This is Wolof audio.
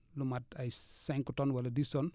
lu mat ay cinq tonnes wala dix tonnes